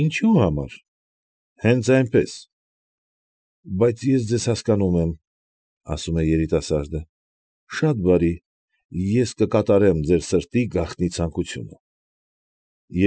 Ինչո՞ւ համար։ ֊ Հենց այնպես։ ֊ Բայց ես ձեզ հասկանում եմ, ֊ ասում է երիտասարդը, ֊ շատ բարի ես կկատարեմ ձեր սրտի գաղտնի ցանկությունը։